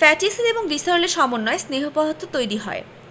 fatty acid এবং গ্লিসারলের সমন্বয়ে স্নেহ পদার্থ তৈরি হয়